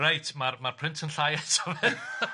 Reit ma'r ma'r print yn llai eto fyth!